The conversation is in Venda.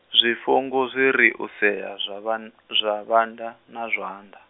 zwifhungu zwiri u sea zwa vha, zwa vhanda na zwanḓa.